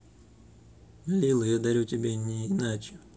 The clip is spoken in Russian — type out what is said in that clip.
лило я дарю тебе не иначе